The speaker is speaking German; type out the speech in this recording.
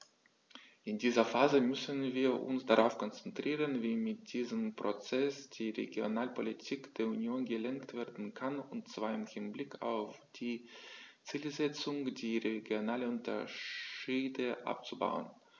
In dieser Phase müssen wir uns darauf konzentrieren, wie mit diesem Prozess die Regionalpolitik der Union gelenkt werden kann, und zwar im Hinblick auf die Zielsetzung, die regionalen Unterschiede abzubauen.